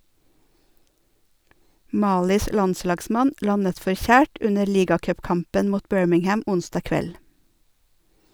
Malis landslagsmann landet forkjært under ligacupkampen mot Birmingham onsdag kveld.